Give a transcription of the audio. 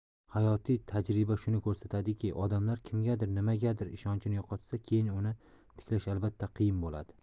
hayotiy tajriba shuni ko'rsatadiki odamlar kimgadir nimagadir ishonchini yo'qotsa keyin uni tiklash albatta qiyin bo'ladi